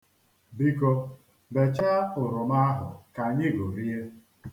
Biko, bechaa oroma ahụ ka anyị rachaa..